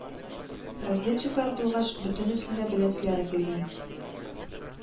Разведчиклар булгач, бөтенесен дә беләселәре килгән